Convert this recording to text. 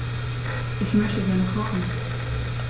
Ich möchte gerne kochen.